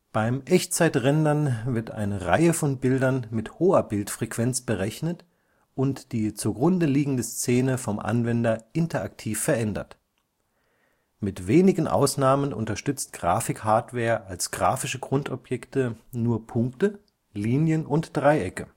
Beim Echtzeitrendern wird eine Reihe von Bildern mit hoher Bildfrequenz berechnet und die zugrundeliegende Szene vom Anwender interaktiv verändert. Mit wenigen Ausnahmen unterstützt Grafikhardware als grafische Grundobjekte nur Punkte, Linien und Dreiecke